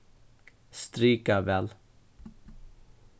strika val